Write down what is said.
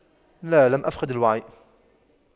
لا لم أفقد الوعي